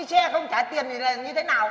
đi xe không trả tiền thì là như thế nào